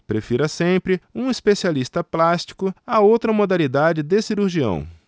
prefira sempre um especialista plástico a outra modalidade de cirurgião